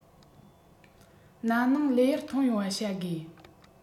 ན ནིང ལས ཡར ཐོན ཡོང བ བྱ དགོས